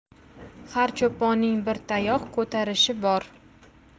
har cho'ponning bir tayoq ko'tarishi bor